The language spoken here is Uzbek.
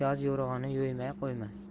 yoz yo'rig'ini yo'ymay qo'ymas